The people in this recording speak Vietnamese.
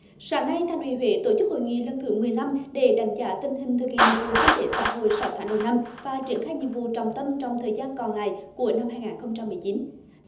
sáng nay thành ủy huế tổ chức hội nghị lần thứ mười lăm để đánh giá tình hình thực hiện nhiệm vụ kinh tế xã hội sáu tháng đầu năm và triển khai nhiệm vụ trọng tâm trong thời gian còn lại của năm hai ngàn không trăm mười chín